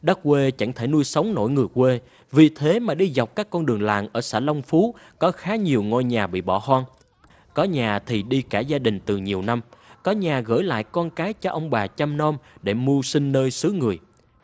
đất quê chẳng thể nuôi sống nổi người quê vì thế mà đi dọc các con đường làng ở xã long phú có khá nhiều ngôi nhà bị bỏ hoang có nhà thì đi cả gia đình từ nhiều năm có nhà gửi lại con cái cho ông bà chăm nom để mưu sinh nơi xứ người